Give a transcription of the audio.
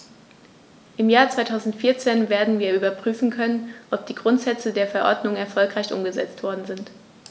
Im Jahr 2014 werden wir überprüfen können, ob die Grundsätze der Verordnung erfolgreich umgesetzt worden sind.